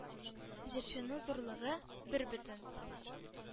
Җырчының зурлыгы – бербөтен.